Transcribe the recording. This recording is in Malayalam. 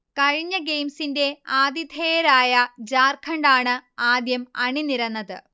കഴിഞ്ഞ ഗെയിംസിന്റെ ആതിഥേയരായ ജാർഖണ്ഡാണ് ആദ്യം അണിനിരന്നത്